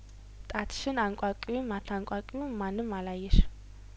ጣትሽን አንቋቂውም አታንቋቂውም ማንም አላየሽም